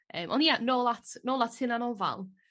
yym awn ni at nôl at nôl at hunanofal.